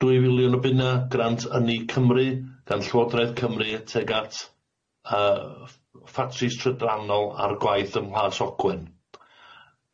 Dwy filiwn o bunna grant ynni Cymru gan Llywodraeth Cymru tuag at yy ff- ffatris trydranol ar gwaith ym Mhlas Ogwen.